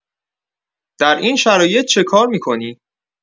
در این شرایط چه کار می‌کنی؟